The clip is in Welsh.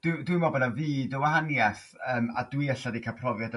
Dw- dwi meddwl bo' 'na fyd o wahania'th yym a dwi ella 'di ca'l profiad o